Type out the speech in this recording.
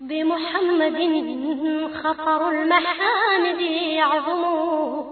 Denmugɛninunɛgɛnin yo